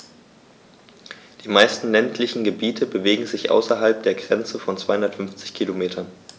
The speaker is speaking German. Die meisten ländlichen Gebiete bewegen sich außerhalb der Grenze von 250 Kilometern.